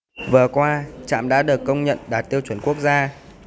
vừa qua trạm đã được công nhận đạt tiêu chuẩn quốc gia